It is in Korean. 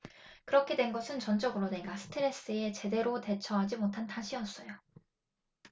그렇게 된 것은 전적으로 내가 스트레스에 제대로 대처하지 못한 탓이었어요